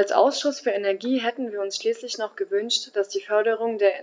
Als Ausschuss für Energie hätten wir uns schließlich noch gewünscht, dass die Förderung der